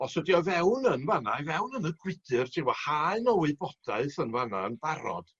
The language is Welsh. Os ydi o i fewn yn fan 'na i fewn yn y gwydr t'bo' haen o wybodaeth yn fan 'na yn barod